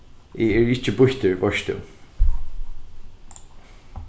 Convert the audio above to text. eg eri ikki býttur veitst tú